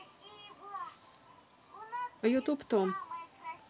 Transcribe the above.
ютуб том